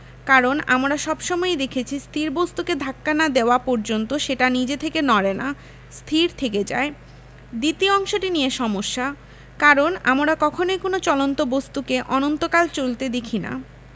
কারণ আমরা সব সময়ই দেখেছি স্থির বস্তুকে ধাক্কা না দেওয়া পর্যন্ত সেটা নিজে থেকে নড়ে না স্থির থেকে যায় দ্বিতীয় অংশটি নিয়ে সমস্যা কারণ আমরা কখনোই কোনো চলন্ত বস্তুকে অনন্তকাল চলতে দেখি না